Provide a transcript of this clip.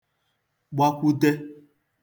gbakwute